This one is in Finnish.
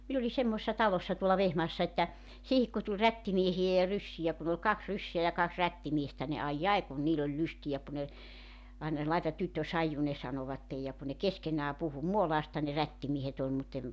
minä olin semmoisessa talossa tuolla Vehmaassa että siihen kun tuli rättimiehiä ja ryssiä kun oli kaksi ryssää ja kaksi rättimiestä niin ai ai kun niillä oli lystiä kun ne aina laita tyttö saiju ne sanoivat ja kun ne keskenään puhui Muolaasta ne rättimiehet oli mutta en